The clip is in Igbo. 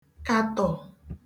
katọ